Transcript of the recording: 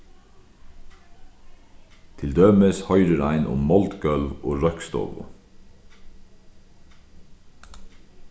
til dømis hoyrir ein um moldgólv og roykstovu